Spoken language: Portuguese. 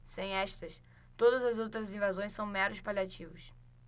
sem estas todas as outras invasões são meros paliativos